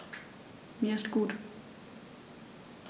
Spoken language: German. Mir ist gut.